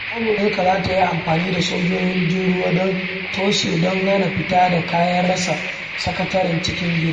Amurka za ta yi amfani da sojojin ruwa don "toshewa" don hana fita da kayan Rasa - Sakataren Cikin Gida